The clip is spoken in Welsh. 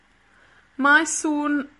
Mae sŵn